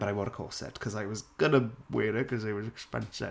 But I wore a corset cause I was going to wear it because it was expensive.